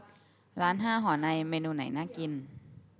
ร้านห้าหอในเมนูไหนน่ากิน